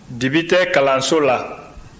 dibi tɛ kalanso la